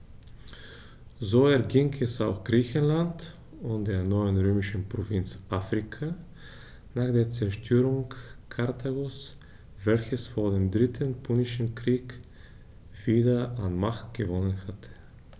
So erging es auch Griechenland und der neuen römischen Provinz Afrika nach der Zerstörung Karthagos, welches vor dem Dritten Punischen Krieg wieder an Macht gewonnen hatte.